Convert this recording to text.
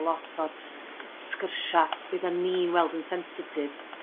lot o'r sgyrsia' bydda ni'n weld yn sensitif